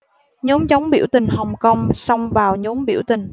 nhóm chống biểu tình hong kong xông vào nhóm biểu tình